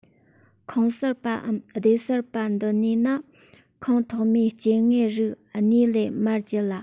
ཁོངས གསར པའམ སྡེ གསར པ འདི གཉིས ནི ཁོངས ཐོག མའི སྐྱེ དངོས རིགས གཉིས ལས མར བརྒྱུད ལ